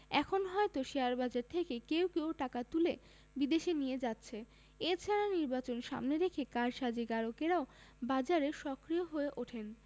এখন হয়তো শেয়ারবাজার থেকে কেউ কেউ টাকা তুলে বিদেশে নিয়ে যাচ্ছে এ ছাড়া নির্বাচন সামনে রেখে কারসাজিকারকেরাও বাজারে সক্রিয় হয়ে ওঠেন